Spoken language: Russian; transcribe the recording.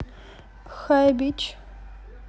hi bich